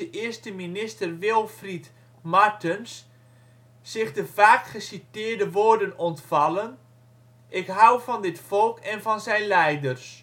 eerste-minister Wilfried Martens zich de vaak geciteerde woorden ontvallen: " Ik hou van dit volk en van zijn leiders